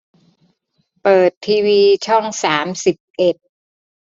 เปิดทีวีช่องสามสิบเอ็ด